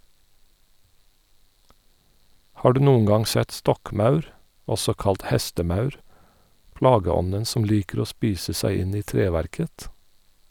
Har du noen gang sett stokkmaur , også kalt hestemaur , plageånden som liker å spise seg inn i treverket?